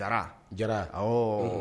Daga Jara awɔɔ unhun